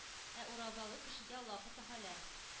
Ә уразалы кешегә Аллаһы Тәгалә